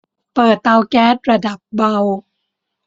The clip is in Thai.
เปิดเตาแก๊สระดับเบา